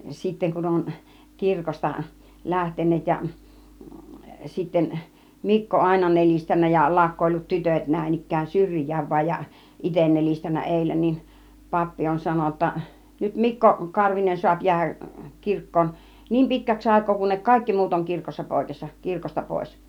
sitten kun on kirkosta lähteneet ja sitten Mikko aina nelistänyt ja laukkoillut tytöt näin ikään syrjään vain ja itse nelistänyt edellä niin pappi on sanonut jotta nyt Mikko Karvinen saa jäädä kirkkoon niin pitkäksi aikaa kunne kaikki muut on kirkossa poissa kirkosta pois